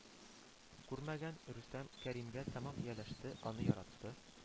Күрмәгән рөстәм кәримгә тәмам ияләште, аны яратты